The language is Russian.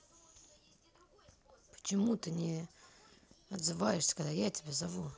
почему ты не не отзываешься когда я тебя зову